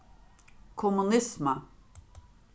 kommunisma